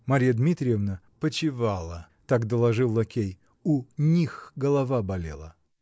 Марья Дмитриевна "почивали", -- так доложил лакей; у "них" голова болела.